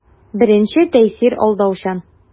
Беренче тәэсир алдаучан.